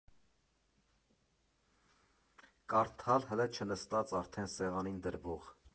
Կարդալ՝ հըլը չնստած արդեն սեղանին դրվող։